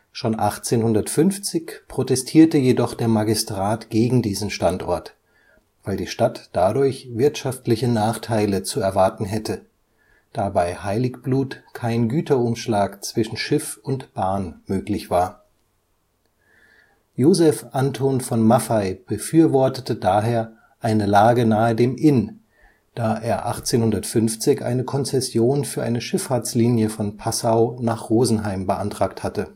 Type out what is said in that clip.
Schon 1850 protestierte jedoch der Magistrat gegen diesen Standort, weil die Stadt dadurch wirtschaftliche Nachteile zu erwarten hätte, da bei Heiligblut kein Güterumschlag zwischen Schiff und Bahn möglich war. Joseph Anton von Maffei befürwortete daher eine Lage nahe dem Inn, da er 1850 eine Konzession für eine Schifffahrtslinie von Passau nach Rosenheim beantragt hatte